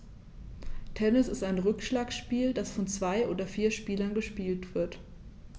Tennis ist ein Rückschlagspiel, das von zwei oder vier Spielern gespielt wird.